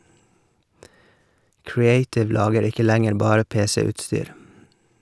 Creative lager ikke lenger bare pc-utstyr.